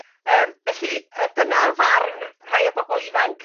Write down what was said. Yym felly y dyna farn rhai o bobol ifanc